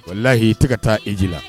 Walahi'i tɛgɛ ka taa eji la